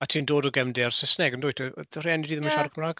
A ti'n dod o gefndir Saesneg yn dwyt? Dyw dy rhieni di ddim yn... ie. ...siarad Cymraeg?